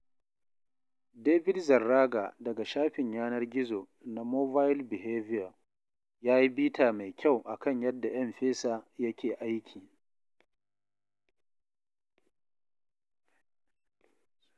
David Zarraga daga shafin yanar gizo na 'Mobile Behavior' ya yi bita mai kyau a kan yadda M-Pesa yake aiki.